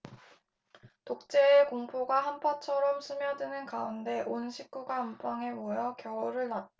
독재의 공포가 한파처럼 스며드는 가운데 온 식구가 안방에 모여 겨울을 났다